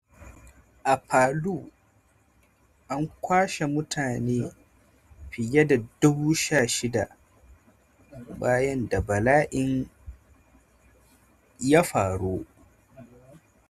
A Palu, an kwashe mutane fiye da 16,000 bayan da bala'in ya fara.